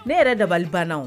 Ne yɛrɛ dabali banna!